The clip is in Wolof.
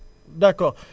d' accord !fra